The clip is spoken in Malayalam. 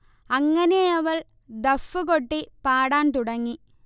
അങ്ങനെയവൾ ദഫ്ഫ് കൊട്ടി പാടാൻ തുടങ്ങി